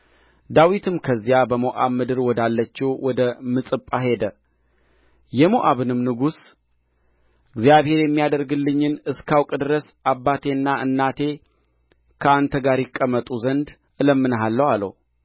ዳዊትም ከዚያ በሞዓብ ምድር ወዳለችው ወደ ምጽጳ ሄደ የሞዓብንም ንጉሥ እግዚአብሔር የሚያደርግልኝን እስካውቅ ድረስ አባቴና እናቴ ከአንተ ጋር ይቀመጡ ዘንድ እለምንሃለሁ አለው